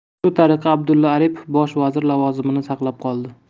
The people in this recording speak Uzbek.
shu tariqa abdulla aripov bosh vazir lavozimini saqlab qoldi